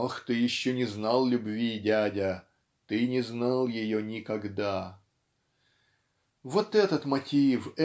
Ах, ты еще не знал любви, дядя, ты не знал ее никогда". Вот этот мотив